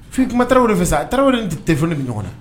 Fkuma taraweleraww de fɛ sa a tarawele tɛf ni ɲɔgɔn na